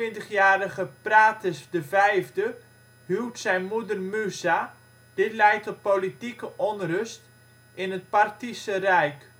De 22-jarige Phraates V huwt zijn moeder Musa, dit leidt tot politieke onrust in het Parthische Rijk